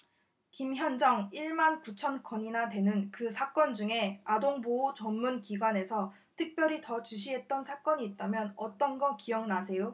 김현정 일 만 구천 건이나 되는 그 사건 중에 아동보호 전문기관에서 특별히 더 주시했던 사건이 있다면 어떤 거 기억나세요